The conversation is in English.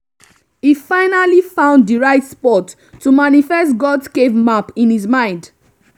He finally found the right spot to manifest God's cave map in his mind.